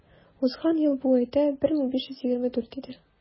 Узган ел бу айда 1524 иде.